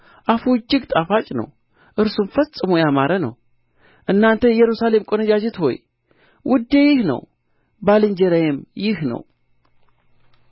አፉ እጅግ ጣፋጭ ነው እርሱም ፈጽሞ ያማረ ነው እናንተ የኢየሩሳሌም ቈነጃጅት ሆይ ውዴ ይህ ነው ባልንጀራዬም ይህ ነው